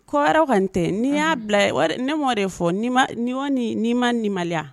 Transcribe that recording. Kɔ kan tɛ n'i y'a bila ne m de fɔ ni ma nimaya